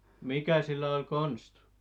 mikä sillä oli konsti